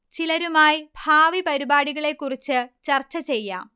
ചിലരുമായി ഭാവി പരിപാടികളെ കുറിച്ച് ചർച്ചചെയ്യാം